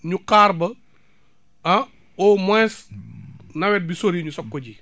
ñu xaar ba ah au moins nawet bi sori ñu soog ko ji